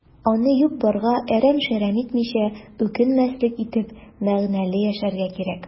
Аны юк-барга әрәм-шәрәм итмичә, үкенмәслек итеп, мәгънәле яшәргә кирәк.